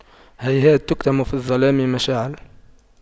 هيهات تكتم في الظلام مشاعل